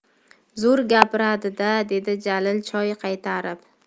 zo'r gapiradi da dedi jalil choy qaytarib